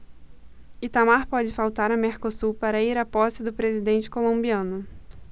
itamar pode faltar a mercosul para ir à posse do presidente colombiano